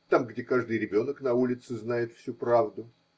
там, где каждый ребенок на улице знает всю правду.